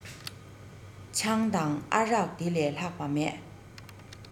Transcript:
ཆང དང ཨ རག འདི ལས ལྷག པ མེད